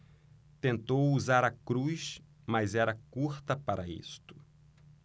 tentou usar a cruz mas era curta para isto